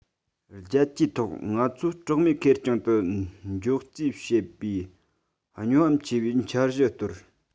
རྒྱལ སྤྱིའི ཐོག ང ཚོ གྲོགས མེད ཁེར རྐྱང དུ འཇོག རྩིས བྱེད པའི སྨྱོ ཧམ ཆེ བའི འཆར གཞི གཏོར